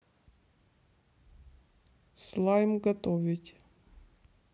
слайм готовить